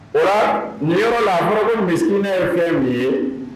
Ola nin yɔrɔ la ni yɔrɔ la a fɔra ko misikinɛ ye fɛn min ye